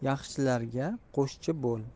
yaxshilarga qo'shchi bo'l